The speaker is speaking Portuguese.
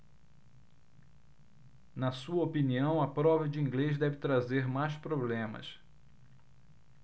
na sua opinião a prova de inglês deve trazer mais problemas